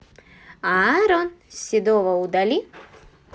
аарон седого удали